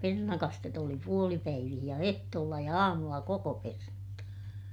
perunakastetta oli puolipäivissä ja ehtoolla ja aamulla kokoperunat